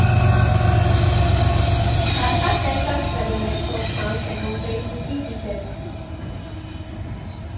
Հաստատ տեսած կլինեք սոցցանցերում՝ Ֆեյսբուքի հիթ էր։